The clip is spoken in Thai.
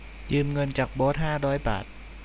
ยืมเงินจากโบ๊ทห้าร้อยบาท